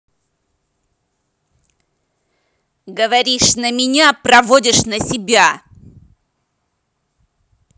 говоришь на меня проводишь на себя